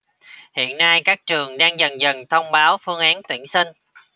hiện nay các trường đang dần dần thông báo phương án tuyển sinh